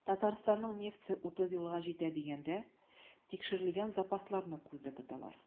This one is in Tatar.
Татарстанның нефте 30 елга җитә дигәндә, тикшерелгән запасларны күздә тоталар.